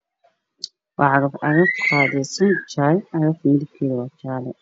Halkaan waxaa ka muuqdo cagaf cagaf oo shaqo ku jirto midabkeedu waa jaalo